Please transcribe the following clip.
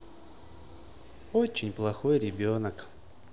очень плохой ребенок